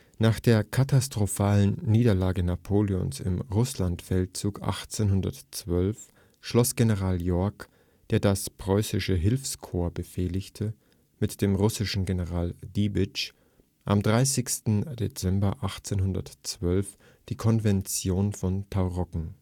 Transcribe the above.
Nach der katastrophalen Niederlage Napoleons im Russlandfeldzug 1812 schloss General Yorck, der das preußische Hilfskorps befehligte, mit dem russischen General Diebitsch am 30. Dezember 1812 die Konvention von Tauroggen